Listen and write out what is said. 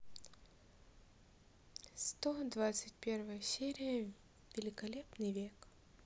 сто двадцать первая серия великолепный век